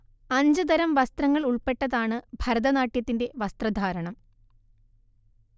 അഞ്ച് തരം വസ്ത്രങ്ങൾ ഉൾപ്പെട്ടതാണ്‌‍ ഭരതനാട്യത്തിന്റെ വസ്ത്രധാരണം